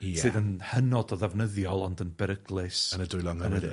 sydd yn hynod o ddefnyddiol ond yn beryglus... Yn y dwylo anghywir.